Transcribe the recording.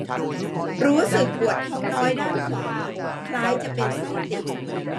รู้สึกปวดท้องน้อยด้านขวาคล้ายจะเป็นไส้ติ่ง